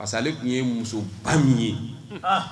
Parce que ale tun ye musoba min ye